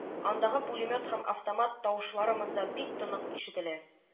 Андагы пулемет һәм автомат тавышлары монда бик тонык ишетелә